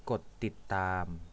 กดติดตาม